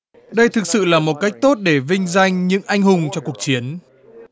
đây thực sự là một cách tốt để vinh danh những anh hùng cho cuộc chiến